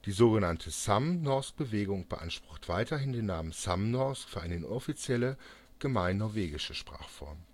sogenannte Samnorsk-Bewegung beansprucht weiterhin den Namen Samnorsk für eine inoffizielle, gemein-norwegische Sprachform